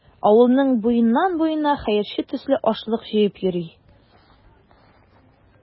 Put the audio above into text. Авылның буеннан-буена хәерче төсле ашлык җыеп йөри.